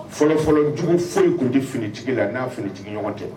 Fɔlɔfɔlɔjugu foyi tun tɛ fini jigi la n'a fini ɲɔgɔn tɛ